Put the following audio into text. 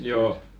joo